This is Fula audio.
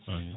amine